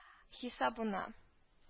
Хисабына